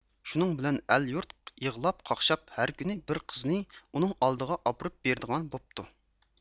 شۇنىڭ بىلەن ئەل يۇرت يىغلاپ قاخشاپ ھەر كۈنى بىر قىزنى ئۇنىڭ ئالدىغا ئاپىرىپ بېرىدىغان بوپتۇ